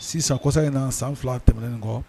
Sisan kɔsa in na san fila tɛmɛnnen kɔ